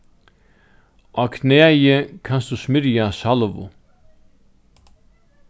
á knæið kanst tú smyrja salvu